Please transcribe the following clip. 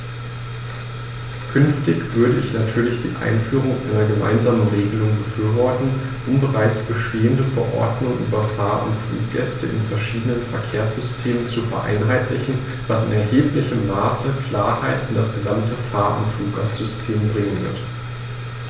Künftig würde ich natürlich die Einführung einer gemeinsamen Regelung befürworten, um bereits bestehende Verordnungen über Fahr- oder Fluggäste in verschiedenen Verkehrssystemen zu vereinheitlichen, was in erheblichem Maße Klarheit in das gesamte Fahr- oder Fluggastsystem bringen wird.